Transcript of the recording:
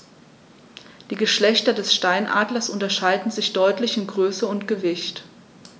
Die Geschlechter des Steinadlers unterscheiden sich deutlich in Größe und Gewicht.